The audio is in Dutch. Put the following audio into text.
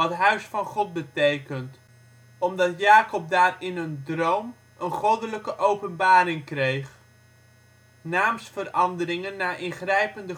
Huis van God ' betekent), omdat Jacob daar in een droom een Goddelijke openbaring kreeg. Naamsveranderingen na ingrijpende